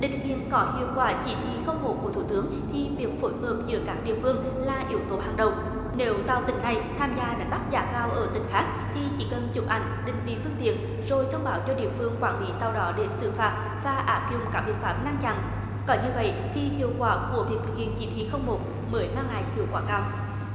để thực hiện có hiệu quả chỉ thị không một của thủ tướng thì việc phối hợp giữa các địa phương là yếu tố hàng đầu nếu tàu tỉnh này tham gia đánh bắt giá cao ở tỉnh khác thì chỉ cần chụp ảnh định vị phương tiện rồi thông báo cho địa phương quản lý tàu đó để xử phạt và áp dụng các biện pháp ngăn chặn có như vậy thì hiệu quả của việc thực hiện chỉ thị không một mới mang lại hiệu quả cao